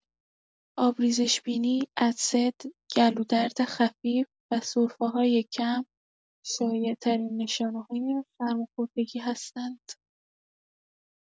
آبریزش بینی، عطسه، گلودرد خفیف و سرفه‌های کم شایع‌ترین نشانه‌های سرماخوردگی هستند.